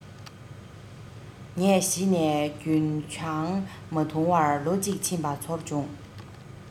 ངས གཞི ནས རྒུན ཆང མ འཐུང བར ལོ གཅིག ཕྱིན པ ཚོར བྱུང